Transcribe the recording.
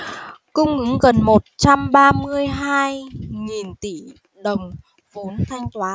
cung ứng gần một trăm ba mươi hai nghìn tỷ đồng vốn thanh toán